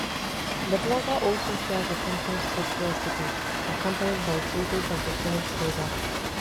The blogger also shares a tempting soup recipe accompanied by photos of the finished product.